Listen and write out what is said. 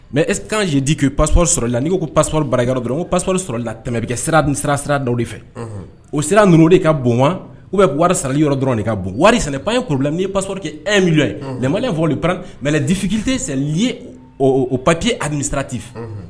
Mɛ e kan ye di kun i pasp sɔrɔ n'i ko p pasp bara dɔrɔn ko pasp sɔrɔ la tɛmɛ bɛ kɛ sira ni sira sira dɔw de fɛ o sira ninnu de ka bon wa u bɛ wari sarali yɔrɔ dɔrɔn ka bon saraye kulu la n' ye pas kɛ e ye la fɔ mɛ difite ye o papi a sirati fɛ